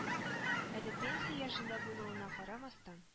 Әле пенсия яшендә булуына карамастан